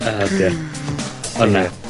Ah ogia, on' na.